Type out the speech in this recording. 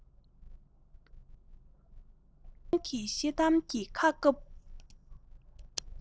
གསོ རླུང གི ཤེལ དམ གྱི ཁ བཀབ